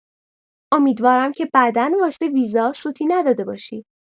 امیدوارم که بعدا واسه ویزا سوتی نداده باشی.